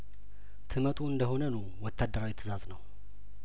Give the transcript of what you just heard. ትመጡ እንደሆን ኑ ወታደራዊ ትእዛዝ ነው